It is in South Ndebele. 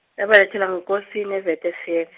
ngabelethelwa ngeKosini e- Weltevrede.